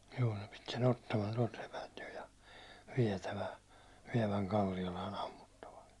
juu ne piti sen ottaman tuolta sepältä jo ja - vievän Kallialaan ammuttavaksi